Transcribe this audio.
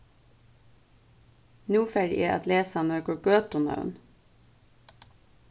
nú fari eg at lesa nøkur gøtunøvn